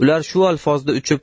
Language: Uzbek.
ular shu alfozda uchib